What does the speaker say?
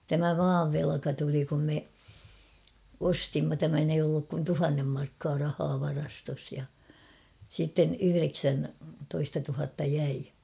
tämä maan velka tuli kun me ostimme tämän ei ollut kuin tuhannen markkaa rahaa varastossa ja sitten yhdeksäntoista tuhatta jäi